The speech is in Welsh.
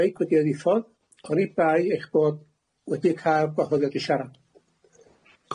meic wedi'i ddiffodd, oni bai eich bod wedi cael gwahoddiad i siarad.